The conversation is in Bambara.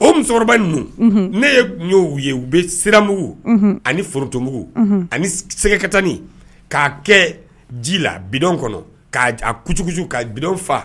o musokɔrɔba ne ye u bɛ siranbugu ani ftonbugu ani sɛgɛka tanani k'a kɛ ji la bi kɔnɔ k' a kujuguju ka bi faa